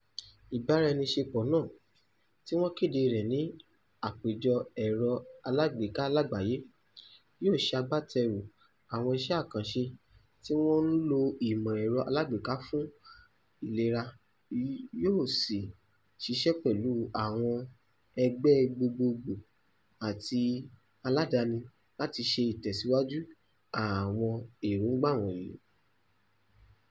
Ìbáraẹniṣepọ̀ náà, tí wọ́n kéde rẹ̀ ní Àpéjọpọ̀ Ẹ̀rọ Alágbèéká Lágbàáyé, yóò ṣe agbátẹrù àwọn iṣẹ́ àkànṣe tí wọ́n ń lo ìmọ̀ ẹ̀rọ alágbèéká fún ìlera yóò sì ṣiṣẹ́ pẹ̀lú àwọn ẹgbẹ́ gbogbogbò àti aládani láti ṣe ìtẹ̀síwájú àwọn èróńgbà wọ̀nyí.